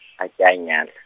ha ke a nyala.